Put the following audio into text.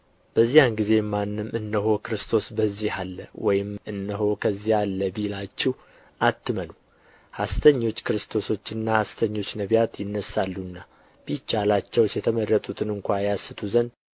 በዚያን ጊዜም ማንም እነሆ ክርስቶስ ከዚህ አለ ወይም እነሆ ከዚያ አለ ቢላችሁ አትመኑ ሐሰተኞች ክርስቶሶችና ሐሰተኞች ነቢያት ይነሣሉና ቢቻላቸውስ የተመረጡትን እንኳ ያስቱ ዘንድ